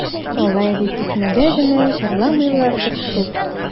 Алай дип тикмәгә генә җырламыйлардыр шул.